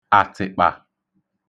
àtị̀kpà